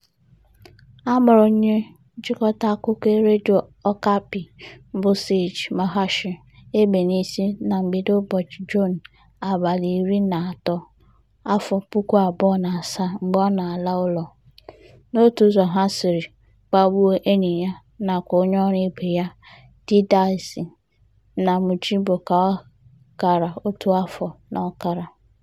A gbara onye nchịkọta akụkọ Radio Okapi bụ Serge Maheshe egbe n'isi na mgbede ụbọchị Juun 13 2007 mgbe ọ na-ala ụlọ, n'otu ụzọ ha siri gbagbu enyi ya nakwa onyeọrụ ibe ya Didace Namujimbo ka ọ gara otu afọ na ọkara.